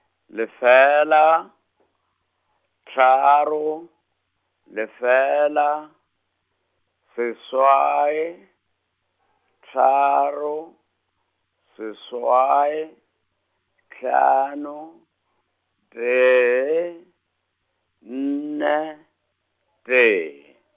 lefela , tharo, lefela, seswai , tharo, seswai, hlano, tee, nne, tee .